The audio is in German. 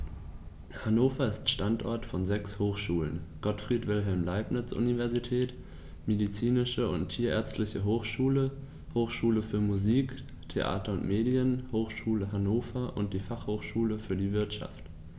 Hannover ist Standort von sechs Hochschulen: Gottfried Wilhelm Leibniz Universität, Medizinische und Tierärztliche Hochschule, Hochschule für Musik, Theater und Medien, Hochschule Hannover und die Fachhochschule für die Wirtschaft.